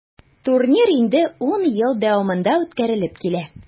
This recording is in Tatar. Турнир инде 10 ел дәвамында үткәрелеп килә.